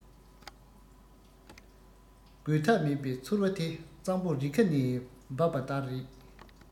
རྒོལ ཐབས མེད པའི ཚོར བ དེ གཙང བོ རི ཁ ནས འབབ པ ལྟར རེད